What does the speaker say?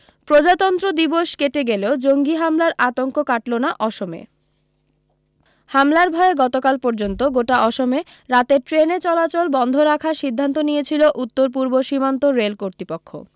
প্রজাতন্ত্র দিবস কেটে গেলেও জঙ্গি হামলার আতঙ্ক কাটল না অসমে হামলার ভয়ে গতকাল পর্যন্ত গোটা অসমে রাতে ট্রেন চলাচল বন্ধ রাখার সিদ্ধান্ত নিয়েছিল উত্তর পূর্ব সীমান্ত রেল কর্তৃপক্ষ